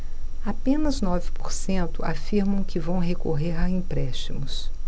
apenas nove por cento afirmam que vão recorrer a empréstimos